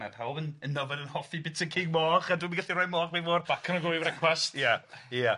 Ma' pawb yn Nyfed yn hoffi buta cig moch a dwi'm yn gallu rhoi moch... Bacwn ac wy i frecwast... ia ia.